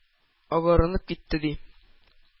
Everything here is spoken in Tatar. Агарынып китте, ди